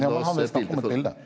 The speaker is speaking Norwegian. ja men han vil snakke om et bilde.